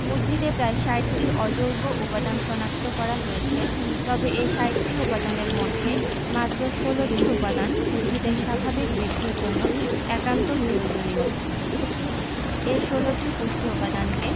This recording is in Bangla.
উদ্ভিদে প্রায় ৬০টি অজৈব উপাদান শনাক্ত করা হয়েছে তবে এই ৬০টি উপাদানের মধ্যে মাত্র ১৬টি উপাদান উদ্ভিদের স্বাভাবিক বৃদ্ধির জন্য একান্ত প্রয়োজনীয় এ ১৬টি পুষ্টি উপাদানকে